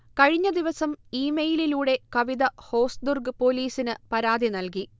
കഴിഞ്ഞദിവസം ഇമെയിലിലൂടെ കവിത ഹോസ്ദുർഗ് പോലീസിന് പരാതി നൽകി